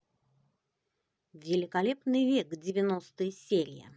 великолепный век девяностая серия